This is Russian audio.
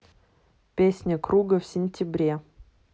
песня круга в сентябре